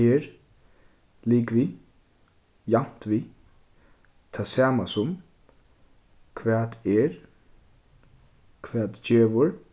er ligvið javnt við tað sama sum hvat er hvat gevur